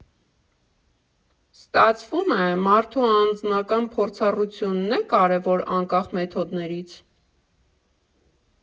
Ստացվում է՝ մարդու անձնական փորձառությու՞նն է կարևորը՝ անկախ մեթոդներից։